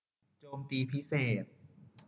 โจมตีพิเศษ